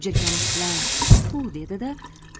jirkanish bilan tfu dedi da